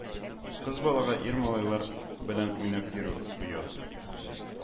Кыз балага ир малайлар белән уйнап йөрү оят